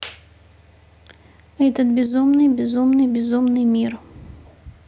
этот безумный безумный безумный мир